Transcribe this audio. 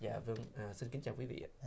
dạ vâng ờ xin kính chào quý vị ạ